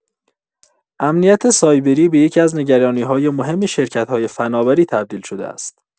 امنیت سایبری به یکی‌از نگرانی‌های مهم شرکت‌های فناوری تبدیل شده است.